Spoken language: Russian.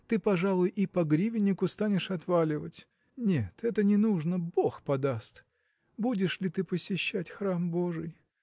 ты, пожалуй, и по гривеннику станешь отваливать. Нет, это не нужно; бог подаст! Будешь ли ты посещать храм божий?